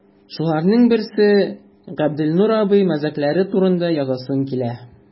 Шуларның берсе – Габделнур абый мәзәкләре турында язасым килә.